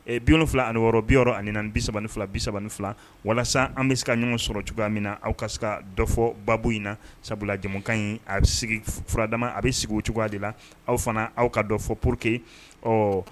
Binfila ani yɔrɔ biyɔrɔ ani ni bi3 fila bi3ban fila walasa an bɛ se ka ɲɔgɔn sɔrɔ cogoya min na aw ka se ka dɔ fɔ baabo in na sabulajakan in a sigi furadamama a bɛ sigi o cogoya de la aw fana aw ka dɔ fɔ pooro que ɔ